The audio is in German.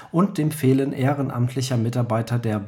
und dem Fehlen ehrenamtlicher Mitarbeiter der